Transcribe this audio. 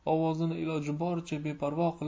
ovozini iloji boricha beparvo qilib